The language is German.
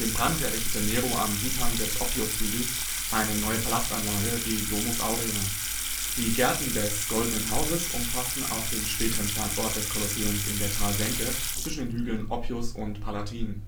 Brand errichtete Nero am Südhang des Oppius-Hügels eine neue Palastanlage, die Domus Aurea. Die Gärten des " Goldenen Hauses " umfassten auch den späteren Standort des Kolosseums in der Talsenke zwischen den Hügeln Oppius und Palatin